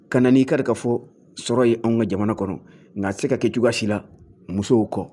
Ka na n'i ka ka fɔ sɔrɔ ye anw ka jamana kɔnɔ nka a tɛ se ka kɛ cogoyasi la musow kɔ